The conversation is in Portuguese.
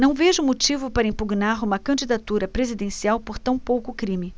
não vejo motivo para impugnar uma candidatura presidencial por tão pouco crime